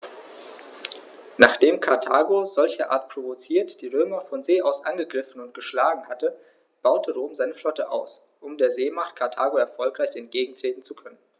Nachdem Karthago, solcherart provoziert, die Römer von See aus angegriffen und geschlagen hatte, baute Rom seine Flotte aus, um der Seemacht Karthago erfolgreich entgegentreten zu können.